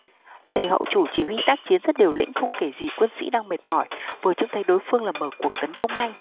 tề hậu chủ chỉ huy tác chiến rất liều lĩnh không kể gì quân sĩ đang mệt mỏi vừa trông thấy đối phương là mở cuộc tấn công ngay